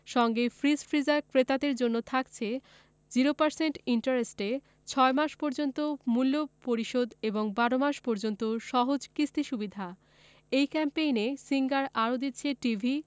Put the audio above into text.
সঙ্গে fridge freezer ক্রেতাদের জন্য থাকছে ০% ইন্টারেস্টে ৬ মাস পর্যন্ত নগদ মূল্য পরিশোধ এবং ১২ মাস পর্যন্ত সহজ কিস্তি সুবিধা এই ক্যাম্পেইনে সিঙ্গার আরো দিচ্ছে টিভি